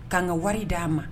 Kaa n ka wari d'a ma